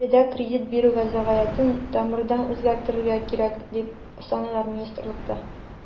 Биредә кредит бирү вәзгыятен тамырдан үзгәртергә кирәк, дип саныйлар министрлыкта.